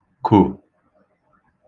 kò